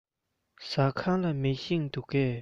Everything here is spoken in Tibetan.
ཟ ཁང ལ མེ ཤིང འདུག གས